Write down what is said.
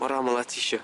Mor aml a tisio.